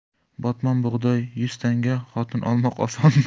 botmon bug'doy yuz tanga xotin olmoq osonmi